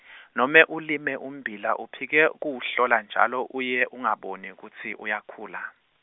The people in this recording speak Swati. nome ulime ummbila uphike, kuwuhlola njalo uye, ungaboni kutsi, uyakhula.